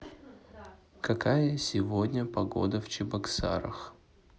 какая сегодня погода в чебоксарах